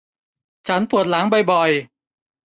ฉันปวดหลังบ่อยบ่อย